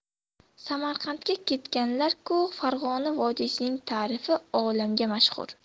samarqandga kelganlar ku farg'ona vodiysining tarifi olamga mashhur